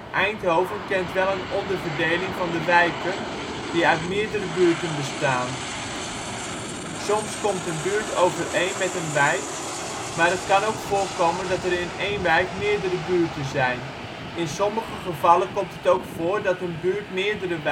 Eindhoven kent wel een onderverdeling van de wijken die uit meerdere buurten bestaan. Soms komt een buurt overeen met een wijk, maar het kan ook voorkomen dat er in één wijk meerdere buurten zijn. In sommige gevallen komt het ook voor dat een buurt (gedeelten van) meerdere wijken